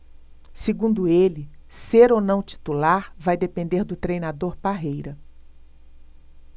segundo ele ser ou não titular vai depender do treinador parreira